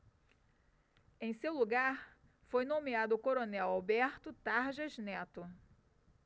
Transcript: em seu lugar foi nomeado o coronel alberto tarjas neto